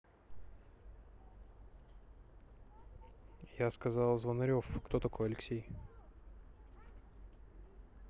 я сказал звонарев кто такой алексей